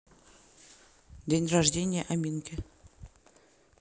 день рождения аминки